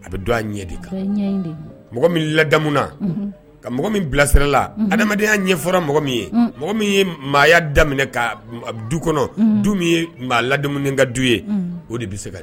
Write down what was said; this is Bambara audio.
A bɛ don a ɲɛ de kan mɔgɔ min ladamuuna ka mɔgɔ min bilasirala adamadenya ɲɛ fɔra mɔgɔ min ye mɔgɔ min ye maaya daminɛ ka du kɔnɔ du min ye maa ladamuden ka du ye o de bɛ se'